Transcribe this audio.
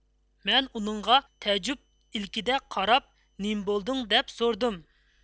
مەن ئۇنىڭغا تەئەججۈپ ئىلىكىدە قاراپ نېمبولدۇڭ دەپ سورىدىم